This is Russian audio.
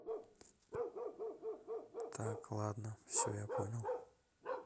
так ладно все я понял